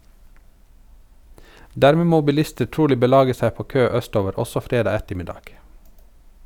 Dermed må bilister trolig belage seg på kø østover også fredag ettermiddag.